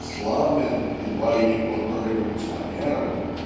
ославлен едва ли не контрреволюционером